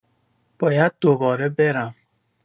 باید دوباره برم.